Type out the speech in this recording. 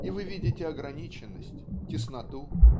и вы видите ограниченность тесноту